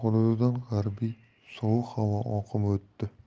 hududidan g'arbiy sovuq havo oqimi o'tdi